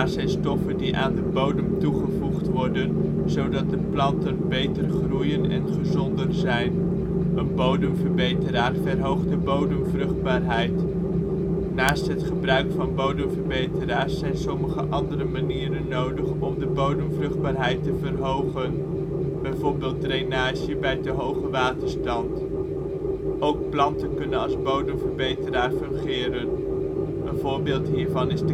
zijn stoffen die aan de bodem toegevoegd worden zodat de planten beter groeien en gezonder zijn. Een bodemverbeteraar verhoogt de bodemvruchtbaarheid. Naast het gebruik van bodemverbeteraars zijn soms andere manieren nodig om de bodemvruchtbaarheid te verhogen. Bijvoorbeeld drainage bij te hoge waterstand. Ook planten kunnen als bodemverbetraar fungeren. Een voorbeeld hiervan is